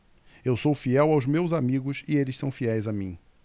eu sou fiel aos meus amigos e eles são fiéis a mim